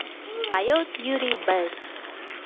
поет юрий bad